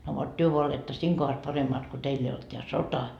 no vot te vain olette siinä kohdassa paremmat kun teillä ei ollut tämä sota